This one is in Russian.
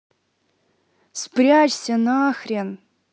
спрячься нахрен